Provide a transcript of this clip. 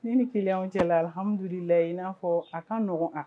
Ne ni kiliyanw cɛla alihamidulilaye i na fɔ a ka nɔgɔ nka